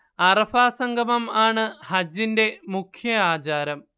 അറഫാ സംഗമം ആണ് ഹജ്ജിന്റെ മുഖ്യ ആചാരം